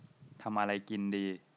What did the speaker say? ทำอะไรกินดี